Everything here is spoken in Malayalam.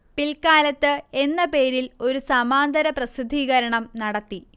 പിൽക്കാലത്ത് എന്ന പേരിൽ ഒരു സമാന്തര പ്രസിദ്ധീകരണം നടത്തി